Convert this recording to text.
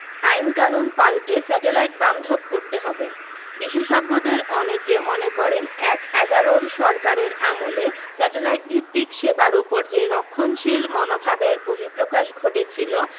আইনকানুন পাল্টে স্যাটেলাইট বান্ধব করতে হবে বিশেষজ্ঞদের অনেকে মনে করেন এক–এগারোর সরকারের আমলে স্যাটেলাইট ভিত্তিক সেবার ওপর যে রক্ষণশীল মনোভাবের বহিঃপ্রকাশ ঘটেছিল